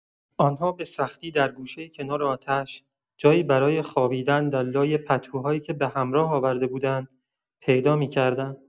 آن‌ها به‌سختی در گوشه‌ای کنار آتش، جایی برای خوابیدن در لای پتوهایی که به‌همراه آورده بودند، پیدا می‌کردند.